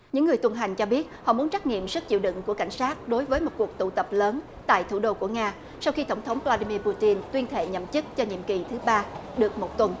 những người tuần hành cho biết họ muốn trắc nghiệm sức chịu đựng của cảnh sát đối với một cuộc tụ tập lớn tại thủ đô của nga sau khi tổng thống vờ la đia mia pu tin tuyên thệ nhậm chức cho nhiệm kỳ thứ ba được một tuần